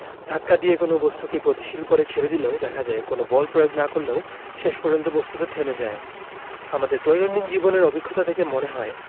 ধাক্কা দিয়ে কোনো বস্তুকে গতিশীল করে ছেড়ে দিলেও দেখা যায় কোনো বল প্রয়োগ না করলেও শেষ পর্যন্ত বস্তুটা থেমে যায় আমাদের দৈনন্দিন জীবনের অভিজ্ঞতা থেকে মনে হয়